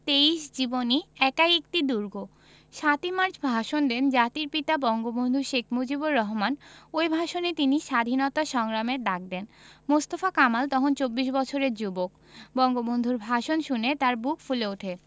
২৩ জীবনী একাই একটি দুর্গ ৭ই মার্চ ভাষণ দেন জাতির পিতা বঙ্গবন্ধু শেখ মুজিবুর রহমান ওই ভাষণে তিনি স্বাধীনতা সংগ্রামের ডাক দেন মোস্তফা কামাল তখন চব্বিশ বছরের যুবক বঙ্গবন্ধুর ভাষণ শুনে তাঁর বুক ফুলে ওঠে